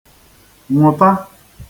-nwụta